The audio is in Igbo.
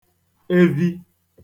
evi